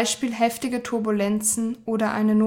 heftige Turbulenzen, Notlandung